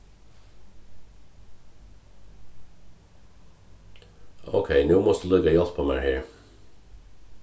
ókey nú mást tú líka hjálpa mær her